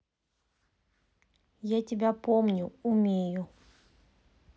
я тебя помню умею